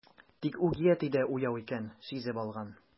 Тик үги әти дә уяу икән, сизеп алган.